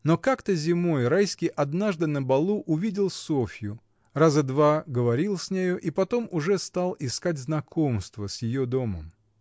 Но как-то зимой Райский однажды на балу увидел Софью, раза два говорил с нею и потом уже стал искать знакомства с ее домом.